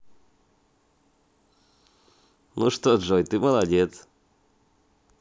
ну что джой ты молодец